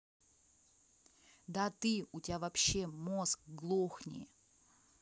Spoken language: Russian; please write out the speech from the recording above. да ты у тебя вообще мозг глохни